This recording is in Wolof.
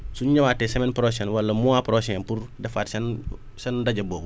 su ñu ñëwaatee semaine prochaine wala mois prochain pour defaat seen seen ndaje boobu